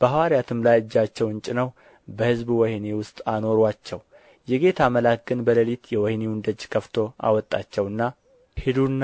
በሐዋርያትም ላይ እጃቸውን ጭነው በሕዝቡ ወኅኒ ውስጥ አኖሩአቸው የጌታ መልአክ ግን በሌሊት የወኅኒውን ደጅ ከፍቶ አወጣቸውና ሂዱና